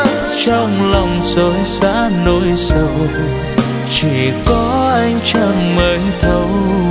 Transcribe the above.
trong lòng rộn rã nỗi sầu chỉ có ánh trăng mới thấu